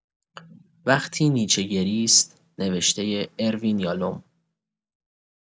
وقتی نیچه گریست نوشتۀ اروین یالوم